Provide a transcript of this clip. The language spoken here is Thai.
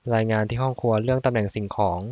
รายงานที่ห้องครัวเรื่องตำแหน่งสิ่งของ